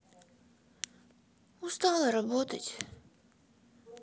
устала работать